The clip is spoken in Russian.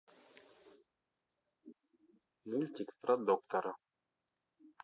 мультик про доктора